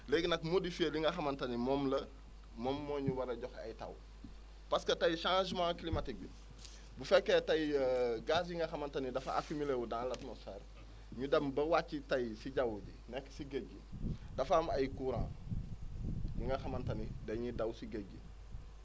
léegi nag modifier li nga xamante ni moom la moom moo ñu war a jox ay taw parce que tey changement climatique bi bu fekkee tey gaz yi nga xamante ni dafa assiuler wu dans l' atmosphère mu dem ba wàcci tey si jaww ji nekk si géej gi dafa am ay courants yi nga xamante ni dañuy daw si géej gi